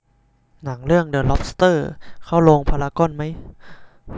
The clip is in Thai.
หนังเรื่องเดอะล็อบสเตอร์เข้าโรงพารากอนมั้ย